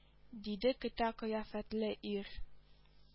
Диде көтә кыяфәтле ир